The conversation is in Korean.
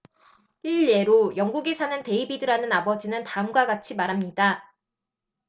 일례로 영국에 사는 데이비드라는 아버지는 다음과 같이 말합니다